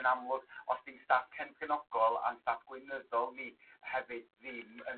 yn amlwg os di'n staff cefnogol a'n staff gweinyddol ni hefyd ddim yn